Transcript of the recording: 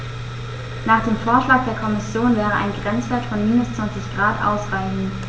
Nach dem Vorschlag der Kommission wäre ein Grenzwert von -20 ºC ausreichend.